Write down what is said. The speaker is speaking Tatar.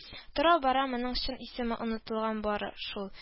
Тора-бара моның чын исеме онытылган, бары шул